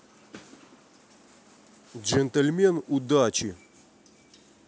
джентльмен удачи